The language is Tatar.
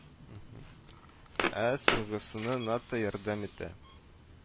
Ә соңгысына НАТО ярдәм итә